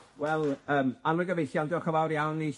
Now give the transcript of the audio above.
Wel yym anwyl gyfeillion diolch yn fawr iawn i...